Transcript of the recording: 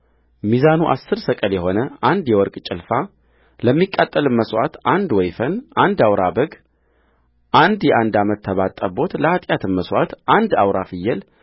ሚዛኑ አሥር ሰቅል የሆነ አንድ የወርቅ ጭልፋለሚቃጠልም መሥዋዕት አንድ ወይፈን አንድ አውራ በግ አንድ የአንድ ዓመት ተባት ጠቦትለኃጢአትም መሥዋዕት አንድ አውራ ፍየል